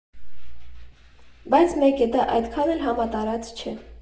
Բայց մեկ է, դա այդքան էլ համատարած չէ։